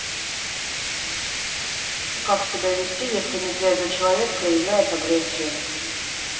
как себя вести если нетрезвый человек проявляет агрессию